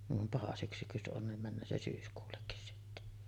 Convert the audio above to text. niin vaan paha syksy jos on niin menee se syyskuullekin sitten